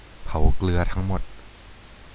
เผาเกลือทั้งหมด